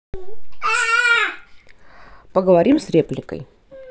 поговорим с репликой